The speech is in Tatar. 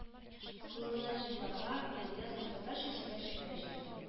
Клубына җырларга, биергә һәм татарча сөйләшергә җыела